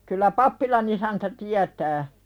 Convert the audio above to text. kyllä pappilan isäntä tietää